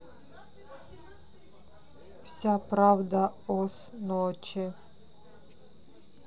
вся правда о с ночи